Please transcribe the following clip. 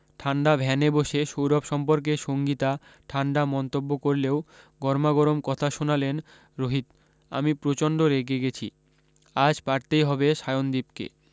ঠান্ডা ভ্যানে বসে সৌরভ সম্পর্কে সঙ্গীতা ঠান্ডা মন্তব্য করলেও গরমাগরম কথা শোনালেন রহিত আমি প্রচণ্ড রেগে গেছি আজ পারতেই হবে সায়নদীপকে